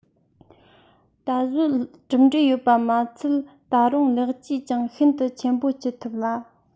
གཟོད གྲུབ འབྲས ཐོབ པ མི ཚད ད རུང ལེགས བཅོས ཀྱང ཤིན ཏུ ཆེན པོ བགྱི ཐུབ ལ